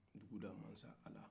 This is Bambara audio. duguda masa ala